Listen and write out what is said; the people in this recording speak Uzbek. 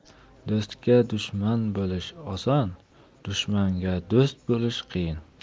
do'stga dushman bo'lish oson dushmanga do'st bo'lish qiyin